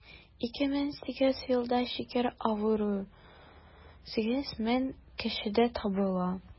2008 елда шикәр авыруы 8 мең кешедә табыла.